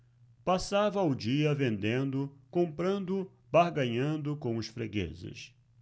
passava o dia vendendo comprando barganhando com os fregueses